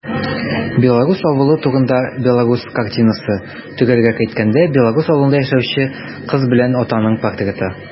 Белорус авылы турында белорус картинасы - төгәлрәк әйткәндә, белорус авылында яшәүче кыз белән атаның портреты.